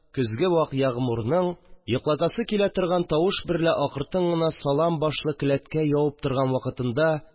Көзге вак ягъмурның йоклатасы килә торган тавыш берлә акыртын гына салам башлы келәткә явып торган вакытында